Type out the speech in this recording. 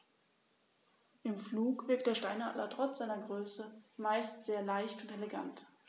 Im Flug wirkt der Steinadler trotz seiner Größe meist sehr leicht und elegant.